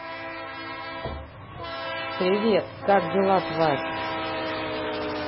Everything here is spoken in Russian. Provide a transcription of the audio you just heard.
привет как дела тварь